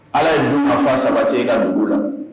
Ala ye ɲuman fa saba cɛ i ka dugu la